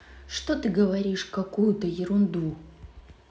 что ты говоришь какую то ерунду